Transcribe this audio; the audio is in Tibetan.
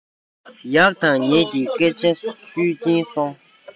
ཡག དང ཉེས ཀྱི སྐད ཆ ཤོད ཀྱིན སོང